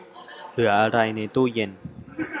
เหลืออะไรในตู้เย็น